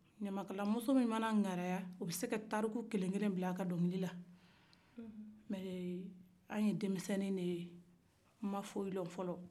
ɲamakala muso min mana ngara ya o bɛ se ka tariku kelen kelen bila a ka donkilila ee an ye denmisen nu de ye ma foyi lon fɔlɔ